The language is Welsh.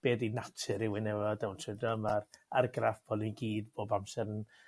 be' 'di natur rywun efo down syndrome ma'r argraff bo' nw i gyd bob amser yn